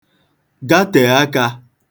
gatè akā